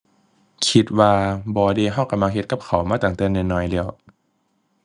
คิดว่าบ่เดะ เราเรามักเฮ็ดกับข้าวมาตั้งแต่น้อยน้อยแล้ว